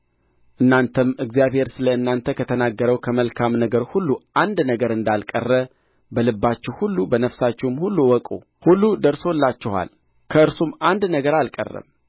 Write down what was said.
እናንተም እግዚአብሔር ስለ እናንተ ከተናገረው ከመልካም ነገር ሁሉ አንድ ነገር እንዳልቀረ በልባችሁ ሁሉ በነፍሳችሁም ሁሉ እወቁ ሁሉ ደርሶላችኋል ከእርሱም አንድ ነገር አልቀረም